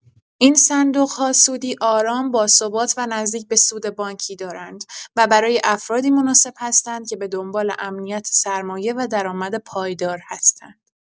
این صندوق‌ها سودی آرام، باثبات و نزدیک به سود بانکی دارند و برای افرادی مناسب هستند که به دنبال امنیت سرمایه و درآمد پایدار هستند.